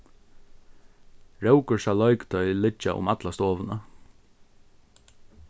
rókursa leikutoy liggja um alla stovuna